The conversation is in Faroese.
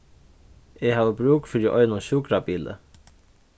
eg havi brúk fyri einum sjúkrabili